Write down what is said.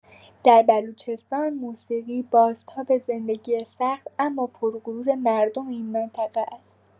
در بلوچستان موسیقی بازتاب زندگی سخت اما پرغرور مردم این منطقه است.